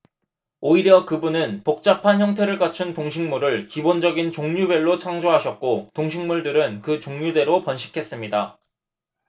오히려 그분은 복잡한 형태를 갖춘 동식물을 기본적인 종류별로 창조하셨고 동식물들은 그 종류대로 번식했습니다